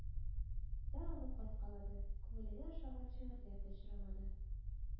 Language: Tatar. Да алып кайткалады, күңеленә ошаган шигырьләр дә очрамады